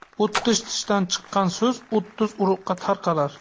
o'ttiz tishdan chiqqan so'z o'ttiz uruqqa tarqalar